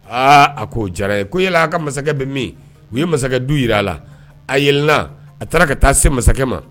Aa a k'o diyara ye ko yala a ka masakɛ bɛ min u ye masakɛ du yira a la a yɛlɛna a taara ka taa se masakɛ ma